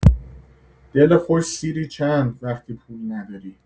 دل خوش سیری چند وقتی پول نداری.